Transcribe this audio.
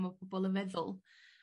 ma pobol yn meddwl.